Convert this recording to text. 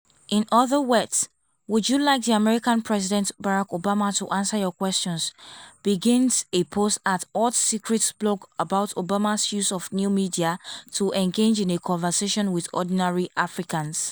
In other words, would you like the American president, Barack Obama to answer your questions?,” begins a post at Hot Secrets blog about Obama's use of new media to engage in a conversation with ordinary Africans.